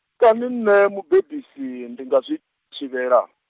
kani nṋe, mubebisi ndi nga zwi, thivhela.